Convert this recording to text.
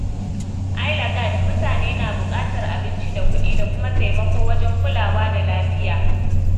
AlyaaGad mutane na buƙatar abinci da kuɗi da kuma taimako wajen kulawa da lafiya.